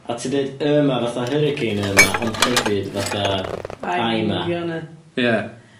A ti'n deud Urma fatha hurricane Urma ond hefyd fatha I'm a'. Ie.